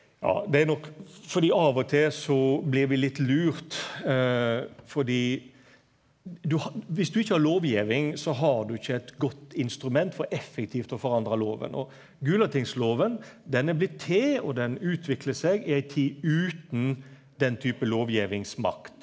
ja det er nok fordi av og til så blir vi litt lurt fordi du viss du ikkje har lovgjeving så har du ikkje eit godt instrument for effektivt å forandra loven og Gulatingsloven den er blitt til og den utviklar seg i ei tid utan den type lovgjevingsmakt.